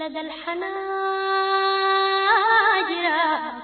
Gɛnin yogɛnin yo